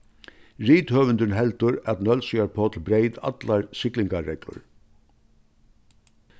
rithøvundurin heldur at nólsoyar páll breyt allar siglingarreglur